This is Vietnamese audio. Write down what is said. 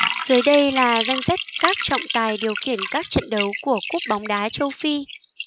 dưới đây là danh sách các trọng tài điều khiển các trận đấu của cúp bóng đá châu phi